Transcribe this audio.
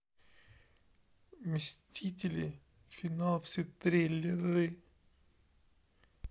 мстители финал все трейлеры